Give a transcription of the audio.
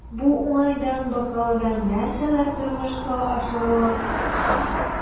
Бу уңайдан Бакалыда нәрсәләр тормышка ашырыла?